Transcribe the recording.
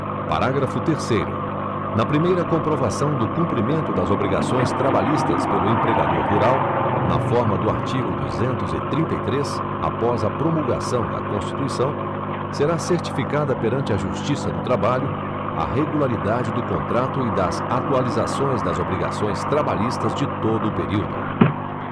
parágrafo terceiro na primeira comprovação do cumprimento das obrigações trabalhistas pelo empregador rural na forma do artigo duzentos e trinta e três após a promulgação da constituição será certificada perante a justiça do trabalho a regularidade do contrato e das atualizações das obrigações trabalhistas de todo o período